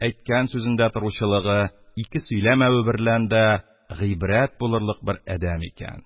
Әйткән сүзендә торучылыгы, ике сөйләмәве берлән дә гыйбрәт булырлык бер адәм икән.